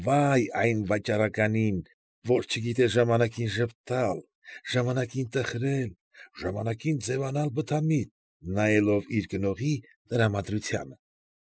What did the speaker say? Վա՜յ այն վաճառականին, որ չգիտե ժամանակին ժպտալ, ժամանակին տխրել, ժամանակին ձևանալ բթամիտ, նայելով իր գնողի տրամադրությանը։